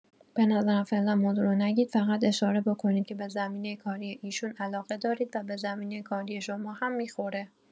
به نظرم فعلا موضوع رو نگید، فقط اشاره بکنید که به زمینه کاری ایشون علاقه دارید و به زمینه کاری شما هم می‌خوره.